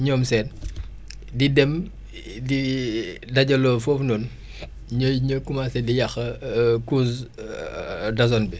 ñoom seen di dem di dajaloo foofu noonu ñuy ñu commencé di yàq couche d' ozone bi